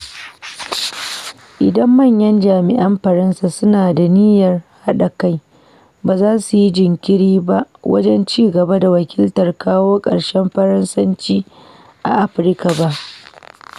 Idan manyan jami’an Faransa suna da niyyar haɗa kai, ba za su yi jinkiri ba wajen ci gaba da wakiltar kawo harshen Faransanci a Afirka ba.